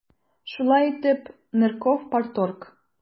Шулай итеп, Нырков - парторг.